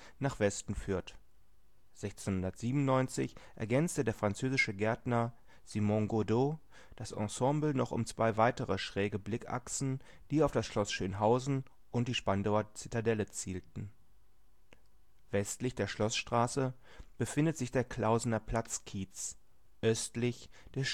Westen führt. 1697 ergänzte der französische Gärtner Simon Godeau das Ensemble noch um zwei weitere schräge Blickachsen, die auf das Schloss Schönhausen und die Spandauer Zitadelle zielten. Westlich der Schloßstraße befindet sich der Klausenerplatz-Kiez, östlich der Schustehruspark